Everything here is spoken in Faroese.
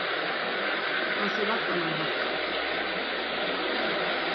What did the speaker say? kanst tú rætta mær hatta